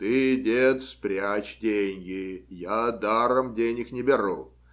Ты, дед спрячь деньги: я даром денег не беру.